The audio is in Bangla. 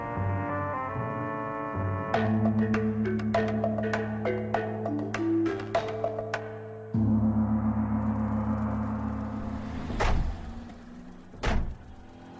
মিউজিক